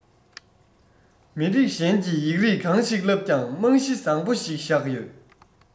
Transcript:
མི རིགས གཞན གྱི ཡིག རིགས གང ཞིག བསླབ ཀྱང རྨང གཞི བཟང བོ ཞིག བཞག ཡོད